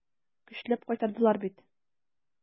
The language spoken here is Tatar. Көчләп кайтардылар бит.